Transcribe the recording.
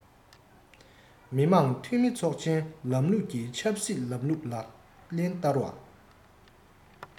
མི དམངས འཐུས མི ཚོགས ཆེན ལམ ལུགས ཀྱི ཆབ སྲིད ལམ ལུགས ལག ལེན བསྟར བ